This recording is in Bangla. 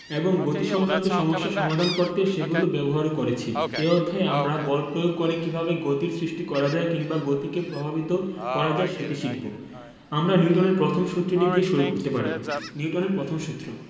এবং গতিসংক্রান্ত সমস্যা সমাধান করতে সেগুলো ব্যবহারও করেছি এই অধ্যায়ে আমরা বল প্রয়োগ করে কীভাবে গতির সৃষ্টি করা যায় কিংবা গতিকে প্রভাবিত করা যায় সেটি শিখব আমরা নিউটনের প্রথম সূত্রটি দিয়ে শুরু করতে পারি নিউটনের প্রথম সূত্র